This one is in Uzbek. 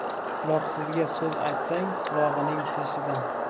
quloqsizga so'z aytsang qulog'ining tashidan